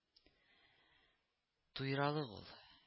Туйралык ул